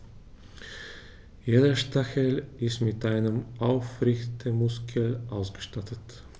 Jeder Stachel ist mit einem Aufrichtemuskel ausgestattet.